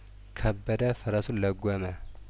ከበደ ፈረሱን ለጐመ